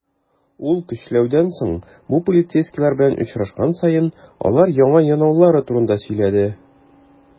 Ул, көчләүдән соң, бу полицейскийлар белән очрашкан саен, алар аңа янаулары турында сөйләде.